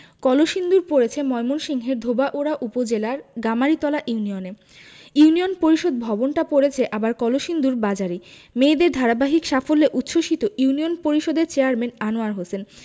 কলসিন্দুর পড়েছে ময়মনসিংহের ধোবাউড়া উপজেলার গামারিতলা ইউনিয়নে ইউনিয়ন পরিষদ ভবনটা পড়েছে আবার কলসিন্দুর বাজারেই মেয়েদের ধারাবাহিক সাফল্যে উচ্ছ্বসিত ইউনিয়ন পরিষদের চেয়ারম্যান আনোয়ার হোসেন